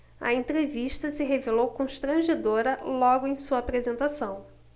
a entrevista se revelou constrangedora logo em sua apresentação